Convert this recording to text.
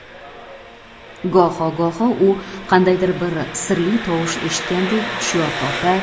goho goho u qandaydir bir sirli tovush eshitgandek hushyor tortar